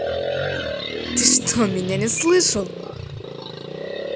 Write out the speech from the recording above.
ты что меня не слышал